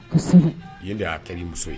Yen de y'a kɛ muso ye